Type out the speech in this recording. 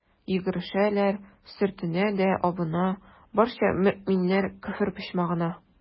Йөгерешәләр, сөртенә дә абына, барча мөэминнәр «Көфер почмагы»на.